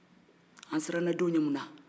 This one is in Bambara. an sirana denw ɲɛ muna